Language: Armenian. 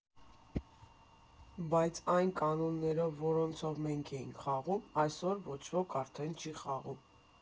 «Բայց այն կանոններով, որոնցով մենք էինք խաղում, այսօր ոչ ոք արդեն չի խաղում։